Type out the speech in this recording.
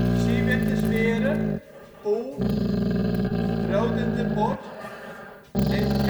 Siweteswere, Poel, Rodendebord en Katelmesinke